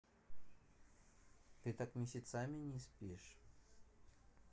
ты так месяцами не спишь